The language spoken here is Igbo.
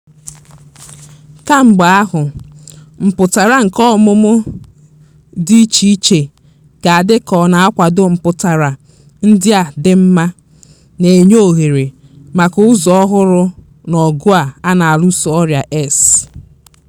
Kemgbe ahụ, mpụtara nke ọmụmụ dị icheiche ga-adị ka ọ na-akwado mpụtara ndị a dị mma, na-enye ohere maka ụzọ ọhụrụ n'ọgụ a na-alụso ọrịa AIDS.